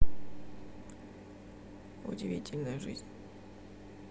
удивительная жизнь